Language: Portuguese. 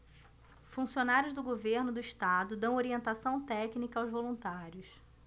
funcionários do governo do estado dão orientação técnica aos voluntários